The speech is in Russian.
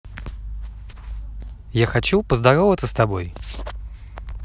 я хочу поздороваться с тобой